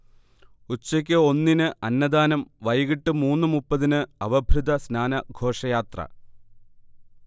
ഉച്ചക്ക് ഒന്നിന് അന്നദാനം വൈകീട്ട് മൂന്ന് മുപ്പതിന് അവഭൃഥ സ്നാന ഘോഷയാത്ര